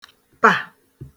pà